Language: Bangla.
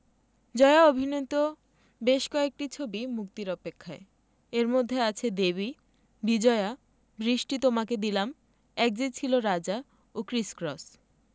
জয়া অভিনীত বেশ কয়েকটি ছবি মুক্তির অপেক্ষায় এর মধ্যে আছে দেবী বিজয়া বৃষ্টি তোমাকে দিলাম এক যে ছিল রাজা ও ক্রিস ক্রস